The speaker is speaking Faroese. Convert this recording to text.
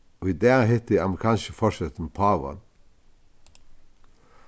í dag hitti amerikanski forsetin pávan